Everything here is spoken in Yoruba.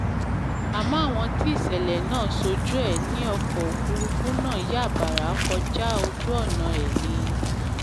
Àmọ́ àwọn tí ìṣẹ̀lẹ̀ náà ṣojú ẹ̀ ní ọkọ̀-òfúrufú náà yà bàrà kọjá ojú-ọ̀nà ẹ ni.